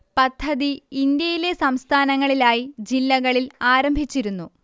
പദ്ധതി ഇന്ത്യയിലെ സംസ്ഥാനങ്ങളിലായി ജില്ലകളിൽ ആരംഭിച്ചിരുന്നു